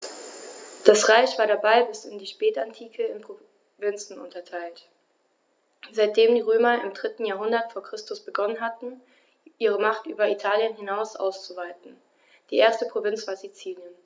Das Reich war dabei bis in die Spätantike in Provinzen unterteilt, seitdem die Römer im 3. Jahrhundert vor Christus begonnen hatten, ihre Macht über Italien hinaus auszuweiten (die erste Provinz war Sizilien).